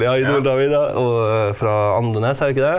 ja Idol-David ja, og fra Andenes, er det ikke det?